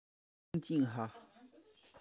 ལིང ཅི ཧྭ